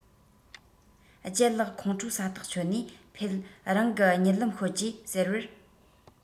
ལྗད ལགས ཁོང ཁྲོ ཟ ཐག ཆོད ནས ཕེད རང གིས གཉིད ལམ ཤོད ཀྱིས ཟེར བས